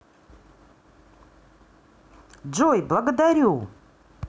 джой благодарю